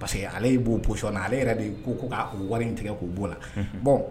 Parce que ala b'o boyɔn ale yɛrɛ de ko ko k' wari in tigɛ k'o boo la bɔn